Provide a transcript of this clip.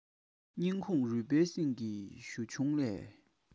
སྙིང ཁོངས རུས པའི སེམས ཀྱི གཞུ ཆུང ལས